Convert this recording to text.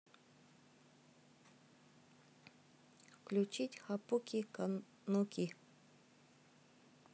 включить хапуки кануки